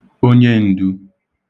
onyen̄dū